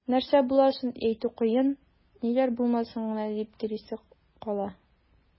Нәрсә буласын әйтү кыен, ниләр булмасын гына дип телисе кала.